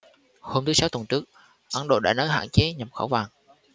hôm thứ sáu tuần trước ấn độ đã nới hạn chế nhập khẩu vàng